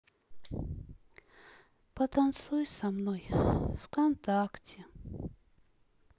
потанцуй со мной в контакте